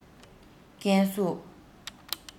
ཀན སུའུ